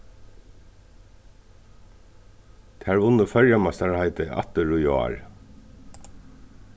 tær vunnu føroyameistaraheitið aftur í ár